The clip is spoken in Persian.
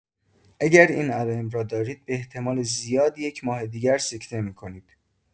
اگر این علائم را دارید به‌احتمال‌زیاد یک ماه دیگر سکته می‌کنید!